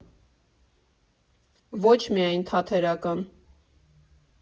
Ոչ միայն թատերական։